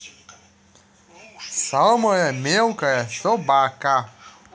самая мелкая собака